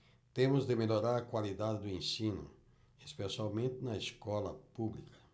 temos de melhorar a qualidade do ensino especialmente na escola pública